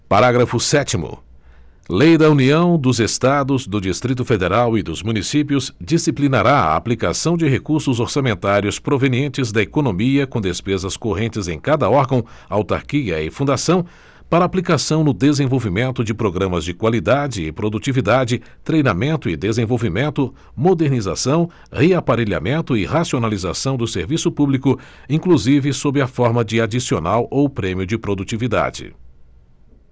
parágrafo sétimo lei da união dos estados do distrito federal e dos municípios disciplinará a aplicação de recursos orçamentários provenientes da economia com despesas correntes em cada órgão autarquia e fundação para aplicação no desenvolvimento de programas de qualidade e produtividade treinamento e desenvolvimento modernização reaparelhamento e racionalização do serviço público inclusive sob a forma de adicional ou prêmio de produtividade